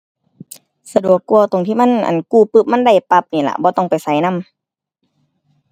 สะดวกกว่าตรงที่มัน อั่น กู้ปึ๊บมันได้ปั๊บนี่ล่ะ บ่ต้องไปไสนำ